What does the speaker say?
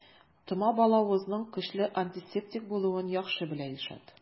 Тома балавызның көчле антисептик булуын яхшы белә Илшат.